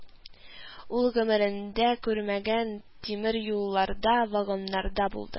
Ул гомерендә күрмәгән тимер юлларда, вагоннарда булды